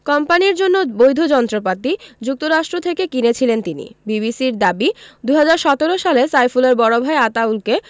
কোম্পানির জন্য বৈধ যন্ত্রপাতি যুক্তরাষ্ট্র থেকে কিনেছিলেন তিনি বিবিসির দাবি ২০১৭ সালে সাইফুলের বড় ভাই আতাউলকে